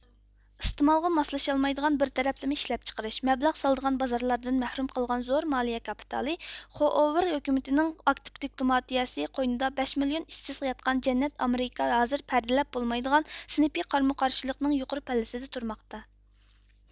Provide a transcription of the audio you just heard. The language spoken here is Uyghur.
ئىستىمالغا ماسلىشالمايدىغان بىر تەرەپلىمە ئىشلەپچىقىرىش مەبلەغ سالىدىغان بازارلاردىن مەھرۇم قالغان زور مالىيە كاپىتالى خوئوۋېر ھۆكۈمىتىنىڭ ئاكتىپ دىپلوماتىيىسى قوينىدا بەش مىليون ئىشسىز ياتقان جەننەت ئامېرىكا ھازىر پەردىلەپ بولمايدىغان سىنىپىي قارمۇ قارشىلىقنىڭ يۇقىرى پەللىسىدە تۇرماقتا